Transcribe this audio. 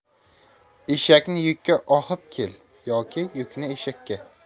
eshakni yukka ohb kel yoki yukni eshakka